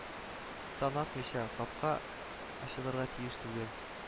Таң атмыйча капка ачылырга тиеш түгел